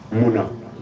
Mun na